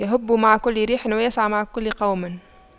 يَهُبُّ مع كل ريح ويسعى مع كل قوم